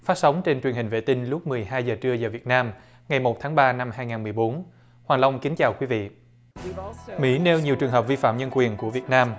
phát sóng trên truyền hình vệ tinh lúc mười hai giờ trưa giờ việt nam ngày một tháng ba năm hai ngàn mười bốn hoàng long kính chào quý vị mỹ nêu nhiều trường hợp vi phạm nhân quyền của việt nam